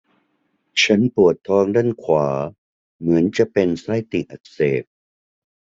ฉันปวดท้องด้านขวาเหมือนจะเป็นไส้ติ่งอักเสบ